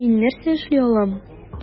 Мин нәрсә эшли алам?